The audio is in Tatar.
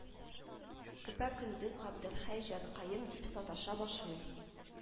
Көпә-көндез габделхәй җаныкаем дип саташа башлый